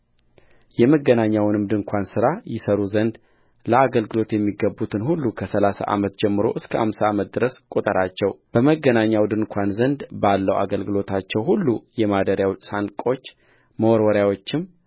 የመገናኛውን ድንኳን ሥራ ይሠሩ ዘንድ ለአገልግሎት የሚገቡትን ሁሉ ከሠላሳ ዓመት ጀምሮ እስከ አምሳ ዓመት ድረስ ቍጠራቸውበመገናኛው ድንኳን ዘንድ ባለው አገልግሎታቸው ሁሉ የማደሪያው ሳንቆች መወርወሪያዎቹም